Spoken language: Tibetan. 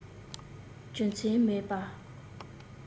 རྒྱུ མཚན མེད པར